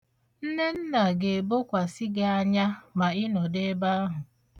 Nnenna ga-abọkwasị gị anya ma ị nọdụ ebe ahụ.